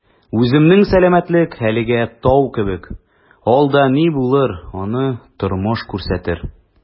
Үземнең сәламәтлек әлегә «тау» кебек, алда ни булыр - аны тормыш күрсәтер...